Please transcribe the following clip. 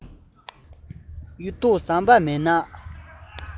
གཡུ ཐོག ཟམ པ མེད ན